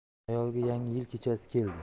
xayoliga yangi yil kechasi keldi